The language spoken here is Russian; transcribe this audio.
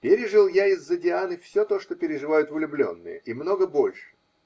Пережил я из-за Дианы все то, что переживают влюбленные, и много больше